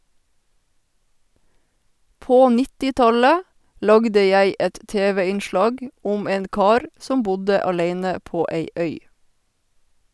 På nittitallet lagde jeg et tv-innslag om en kar som bodde aleine på ei øy.